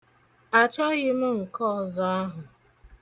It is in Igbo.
Achọghị m nke ọzọ ahụ.